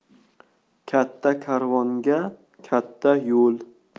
katta karvonga katta yo'l